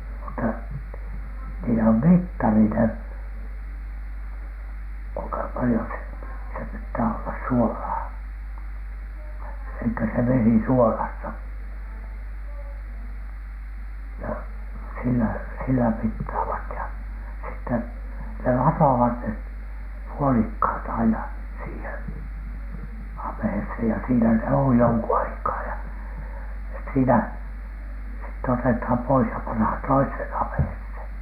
mutta niillä on mittari ne kuinka paljon se se pitää olla suolaa eli se vesi suolasta ja sillä sillä mittaavat ja sitten ne latovat ne puolikkaat aina siihen ammeeseen ja siinä ne on jonkun aikaa ja sitten siinä sitten otetaan pois ja pannaan toiseen ammeeseen